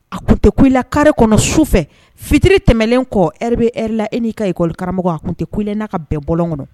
A kun tɛ kula kariri kɔnɔ su fɛ fitiri tɛmɛnen kɔ e bɛ e la e n'i ka ikɔlikara a tun tɛ kuela n'a ka bɛn bɔlɔn kɔnɔ